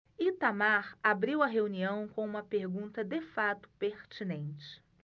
itamar abriu a reunião com uma pergunta de fato pertinente